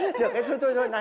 ngay